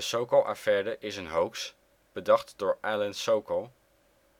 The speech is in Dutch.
Sokal-affaire is een hoax bedacht door Alan Sokal,